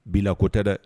Bi la ko tɛ dɛ